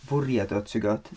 Fwriad o ti'n gwybod?